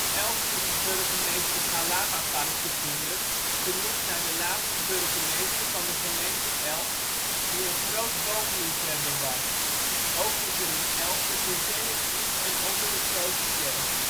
Elst is het Burgemeester Galamapark te vinden, genoemd naar de laatste burgemeester van de gemeente Elst, die een groot boomliefhebber was. Ook is er in Elst het museum in en onder de Grote Kerk